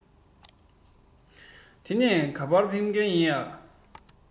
དེ ནས ག པར ཕེབས མཁན ཡིན པྰ